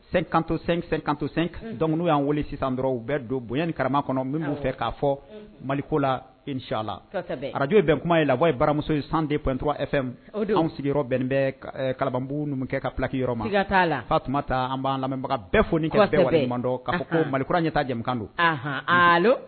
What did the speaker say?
Sen kansen kansen dumuni y' weele sisan dɔrɔn u bɛɛ don bonya ni karama kɔnɔ minnu' fɛ k'a fɔ maliko la ec la arajo bɛn kuma ye la' ye baramuso ye sandenpt anw sigiyɔrɔ bɛn bɛbuum kɛ ka filaki ma'a la fa tun an b'baga bɛɛ fo ni ka ko malikura kura ɲɛta jamu don